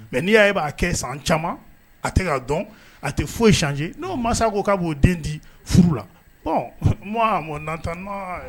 Mais n'i y'a ye e b'a kɛ san caman a tɛ k'a dɔn a tɛ foyi changer n'o mansa ko k'a b'o den dii furu la bon uhun moi à mon entendement ɛ